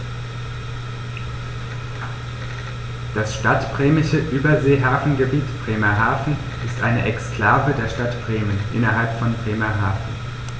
Das Stadtbremische Überseehafengebiet Bremerhaven ist eine Exklave der Stadt Bremen innerhalb von Bremerhaven.